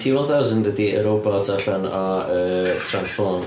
T one thousand ydy'r robot allan o yy Transform...